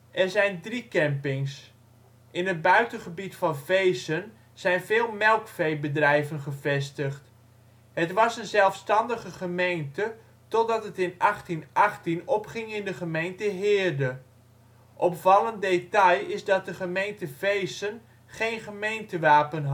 Er zijn drie campings. In het buitengebied van Veessen zijn veel melkveebedrijven gevestigd. Het was een zelfstandige gemeente totdat het in 1818 opging in de gemeente Heerde. Opvallend detail is dat de gemeente Veessen geen gemeentewapen